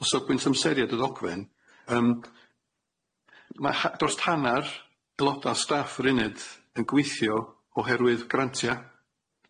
O safbwynt amseriad y ddogfen yym ma' ha- dros hannar aeloda' staff yr uned yn gweithio oherwydd grantia'.